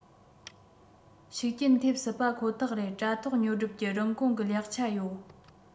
ཤུགས རྐྱེན ཐེབས སྲིད པ ཁོ ཐག རེད དྲ ཐོག ཉོ སྒྲུབ ཀྱི རིན གོང གི ལེགས ཆ ཡོད